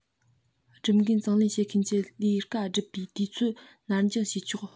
སྒྲུབ འགན གཙང ལེན བྱེད མཁན གྱིས ལས གྲྭ སྒྲུབ པའི དུས ཚོད ནར འགྱངས བྱས ཆོག